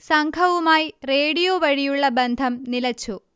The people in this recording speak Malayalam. സംഘവുമായി റേഡിയോ വഴിയുള്ള ബന്ധം നിലച്ചു